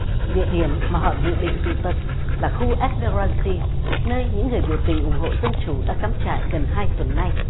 địa điểm mà họ dự định tụ tập là khu ét mơ re ti nơi những người biểu tình ủng hộ dân chủ đã cắm trại gần hai tuần nay